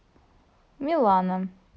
милана